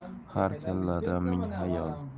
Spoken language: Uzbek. har kallada ming xayol